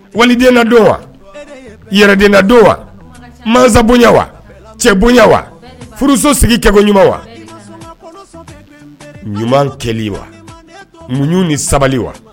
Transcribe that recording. Wadnadon wa yɛrɛdna don wa mansasabon wa cɛ bonya wa furuso sigikɛ bɔɲuman wa ɲuman kelen wa muɲ ni sabali wa